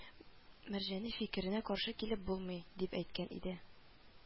Мәрҗани фикеренә каршы килеп булмый, дип әйткән иде